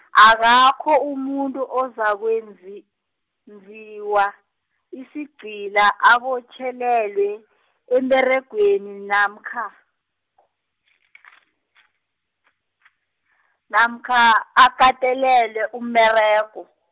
akakho umuntu ozakwenzi- -nziwa, isigcila abotjhelelwe, emberegweni namkha , namkha akatelelwe umberego.